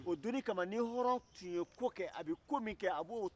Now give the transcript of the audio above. aha o musokɔrɔba kelen kelen gɛrɛ olu la